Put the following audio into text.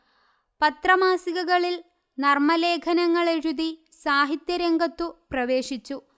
പത്രമാസികകളിൽ നർമലേഖനങ്ങളെഴുതി സാഹിത്യ രംഗത്തു പ്രവേശിച്ചു